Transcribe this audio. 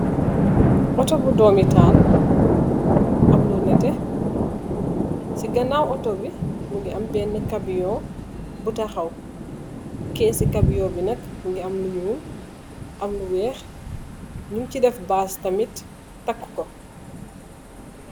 Otto bu doomi tahal am lu neteh ci ganaw Otto bi mugii am benna kapyon bu taxaw kesci kapyon bi nak mugii am lu ñuul ak lu wèèx ñing ci def bass tamit takka ko.